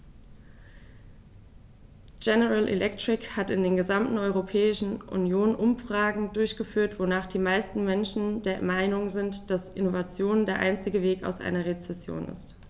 General Electric hat in der gesamten Europäischen Union Umfragen durchgeführt, wonach die meisten Menschen der Meinung sind, dass Innovation der einzige Weg aus einer Rezession ist.